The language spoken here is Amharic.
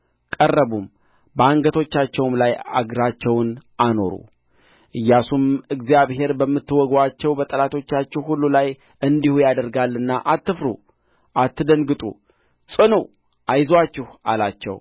ቀረቡም በአንገታቸውም ላይ እግራቸውን አኖሩ ኢያሱም እግዚአብሔር በምትወጉአቸው በጠላቶቻችሁ ሁሉ ላይ እንዲሁ ያደርጋልና አትፍሩ አትደንግጡ ጽኑ አይዞአችሁ አላቸው